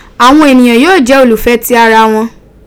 Awon eniyan yoo je olufe ti ara won.